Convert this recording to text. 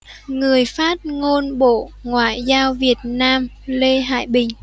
người phát ngôn bộ ngoại giao việt nam lê hải bình